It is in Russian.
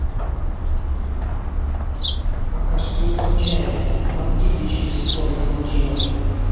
пока что не получается мозги ты еще до сих пор не получила